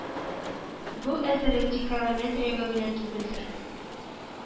Бу әзерлек тикилометрәгә генә түгелдер